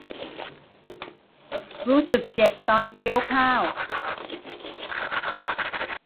รู้สึกเจ็บตอนเคี้ยวข้าว